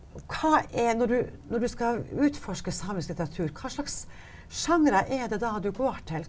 og hva er når du når du skal utforske samisk litteratur hva slags sjangre er det da du går til?